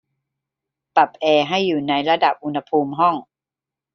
ปรับแอร์ให้อยู่ในระดับอุณหภูมิห้อง